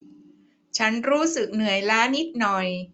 ฉันรู้สึกเหนื่อยล้านิดหน่อย